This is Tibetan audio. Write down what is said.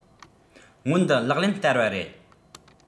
སྔོན དུ ལག ལེན བསྟར བ རེད